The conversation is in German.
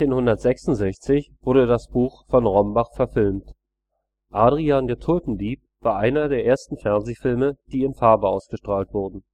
1966 wurde das Buch von Rombach verfilmt: Adrian der Tulpendieb war einer der ersten Fernsehfilme, die in Farbe ausgestrahlt wurden